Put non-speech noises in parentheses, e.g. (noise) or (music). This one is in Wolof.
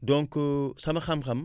donc (hesitation) sama xam-xam